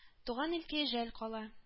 Туган илкәй жәл кала